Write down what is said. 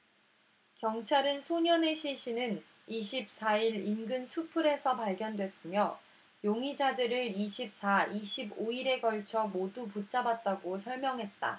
경찰은 소년의 시신은 이십 사 일 인근 수풀에서 발견됐으며 용의자들을 이십 사 이십 오 일에 걸쳐 모두 붙잡았다고 설명했다